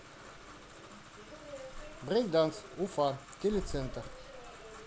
брейк данс уфа телецентр